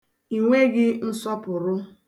I nweghị nsọpụrụ.